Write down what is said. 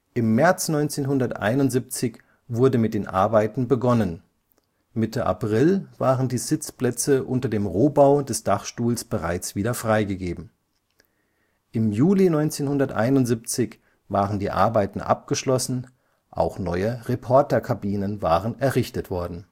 Im März 1971 wurde mit den Arbeiten begonnen, Mitte April waren die Sitzplätze unter dem Rohbau des Dachstuhls bereits wieder freigegeben. Im Juli 1971 waren die Arbeiten abgeschlossen, auch neue Reporterkabinen waren errichtet worden